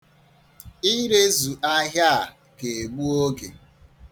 Irezu ahịa a ga-egbu oge.